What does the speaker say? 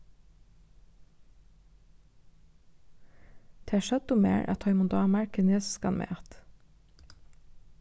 tær søgdu mær at teimum dámar kinesiskan mat